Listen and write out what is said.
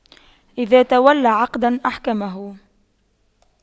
إذا تولى عقداً أحكمه